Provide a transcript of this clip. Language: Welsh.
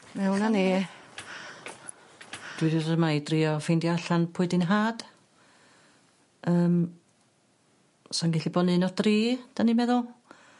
Mewn a ni. Dwi dod yma i drio ffeindio allan pwy 'di'n nhad . Yym. Sa o'n gellu bo' yn un o dri 'dan ni'n meddwl.